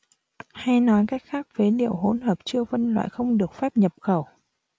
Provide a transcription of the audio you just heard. hay nói cách khác phế liệu hỗn hợp chưa phân loại không được phép nhập khẩu